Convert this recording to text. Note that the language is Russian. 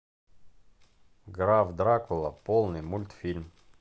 граф дракула полный мультфильм